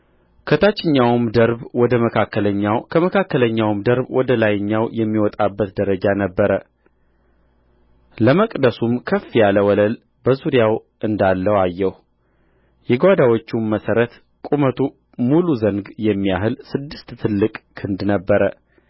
ከታችኛውም ደርብ ወደ መካከለኛው ከመካከለኛውም ደርብ ወደ ላይኛው የሚወጣበት ደረጃ ነበረ ለመቅደሱም ከፍ ያለ ወለል በዙሪያው እንዳለው አየሁ